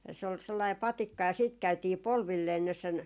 se oli sellainen patikka ja sitten käytiin polvilleen sinne sen